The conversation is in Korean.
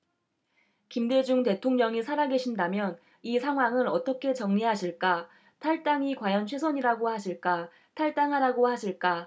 김대중 대통령이 살아계신다면 이 상황을 어떻게 정리하실까 탈당이 과연 최선이라고 하실까 탈당하라고 하실까